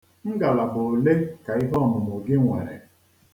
Ngalaba ole ka ihe ọmụmụ gị nwere?